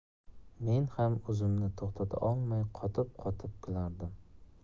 men ham o'zimni to'xtata olmay qotib qotib kulardim